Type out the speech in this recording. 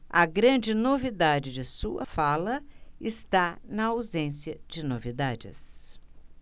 a grande novidade de sua fala está na ausência de novidades